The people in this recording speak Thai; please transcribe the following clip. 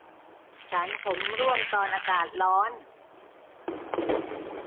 ฉันผมร่วงตอนอากาศร้อน